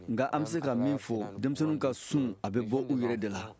nka an bɛ se ka min fɔ denmisɛnninw ka sun a bɛ bɔ u yɛrɛ de la